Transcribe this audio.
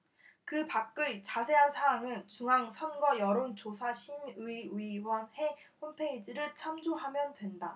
그밖의 자세한 사항은 중앙선거여론조사심의위원회 홈페이지를 참조하면 된다